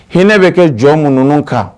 Hinɛ bɛ kɛ jɔn mun ninnu kan